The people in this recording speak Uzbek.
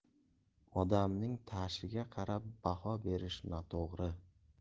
odamning tashiga qarab baho berish noto'g'ri